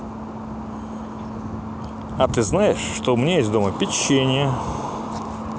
а ты знаешь что у меня есть дома печенье